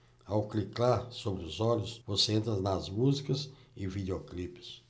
ao clicar sobre os olhos você entra nas músicas e videoclipes